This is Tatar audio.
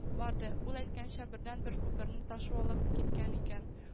Барды, ул әйткәнчә, бердәнбер күперне ташу алып киткән икән